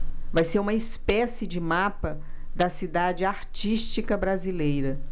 vai ser uma espécie de mapa da cidade artística brasileira